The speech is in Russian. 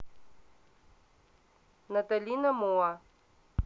наталина муа